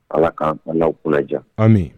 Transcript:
Ala k' ala n'aw kunnajan anmi